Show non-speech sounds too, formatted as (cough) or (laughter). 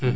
(hesitation) (hesitation)